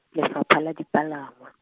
Lefapha la Dipalangwa.